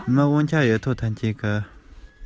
མ མང ཚོ བཞི པོ སྐད རྒྱག བཞིན